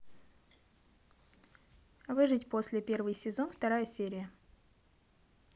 выжить после первый сезон вторая серия